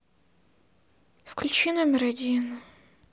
включи номер один